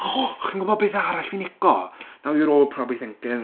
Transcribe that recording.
O chi'n gwybod beth arall fi'n lico. Now you're all probably thinking...